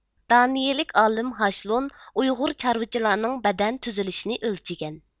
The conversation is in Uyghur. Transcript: دانىيىلىك ئالىم ھاشلون ئۇيغۇر چارۋىچىلارنىڭ بەدەن تۈزۈلۈشىنى ئۆلچىگەن